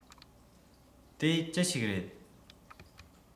དེ ཅི ཞིག རེད